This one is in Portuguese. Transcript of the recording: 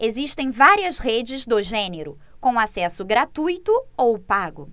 existem várias redes do gênero com acesso gratuito ou pago